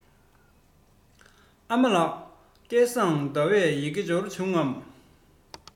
ཨ མ ལགས སྐལ བཟང ཟླ བའི ཡི གེ འབྱོར བྱུང ངམ